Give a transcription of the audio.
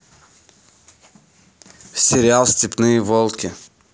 сериал степные волки